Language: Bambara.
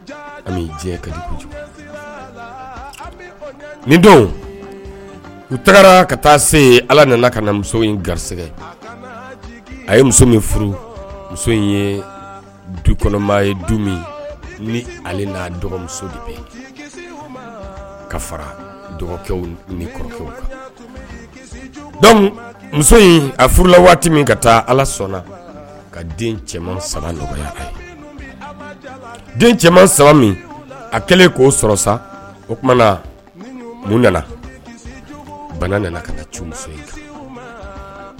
Ni u taara ka taa se ala nana ka muso in garisɛgɛ a ye muso min furu muso in ye du kɔnɔma ye dun min ni ale dɔgɔmuso de bɛ ka fara dɔgɔkɛ ni kɔrɔkɛw muso in a furula waati min ka taa ala sɔnna ka den cɛman saba nɔgɔya den cɛman saba min a kɛlen k'o sɔrɔ sa o na mun nana bana nana ka namuso ye